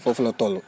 foofu la toll